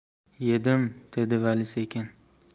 yedim dedi vali sekin